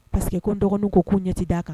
Pa parce que ko n dɔgɔnin ko k'u ɲɛti d'a kan